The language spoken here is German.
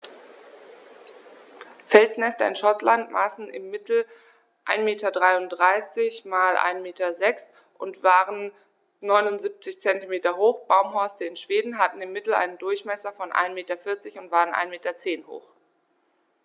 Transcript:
Felsnester in Schottland maßen im Mittel 1,33 m x 1,06 m und waren 0,79 m hoch, Baumhorste in Schweden hatten im Mittel einen Durchmesser von 1,4 m und waren 1,1 m hoch.